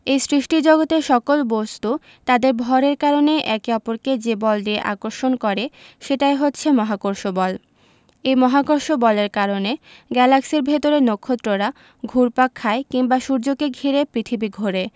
এই সৃষ্টিজগতের সকল বস্তু তাদের ভরের কারণে একে অপরকে যে বল দিয়ে আকর্ষণ করে সেটাই হচ্ছে মহাকর্ষ বল এই মহাকর্ষ বলের কারণে গ্যালাক্সির ভেতরে নক্ষত্ররা ঘুরপাক খায় কিংবা সূর্যকে ঘিরে পৃথিবী ঘোরে